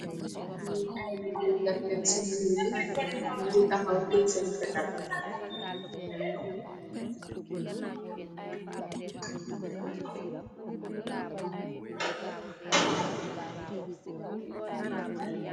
Ayyi ligaih kaat len ce guur bi, nyungi tahow tiyeh cen fehteel.